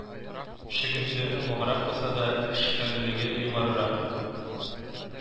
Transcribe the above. Чөгендер ваграк булса да, шикәрлелеге югарырак